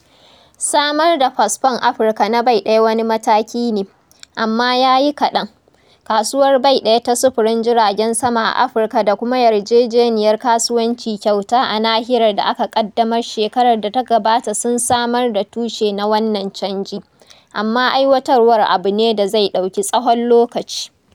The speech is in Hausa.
Samar da fasfon Afirka na bai ɗaya wani mataki ne - amma ya yi kaɗan. Kasuwar Bai ɗaya ta Sufurin Jiragen Sama a Afirka da kuma Yarjejeniyar Kasuwanci Kyauta a Nahiyar da aka ƙaddamar shekarar da ta gabata sun samar da tushe na wannan canji, amma aiwatarwar abu ne da zai ɗauki tsahon lokaci.